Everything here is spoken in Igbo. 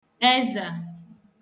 ezà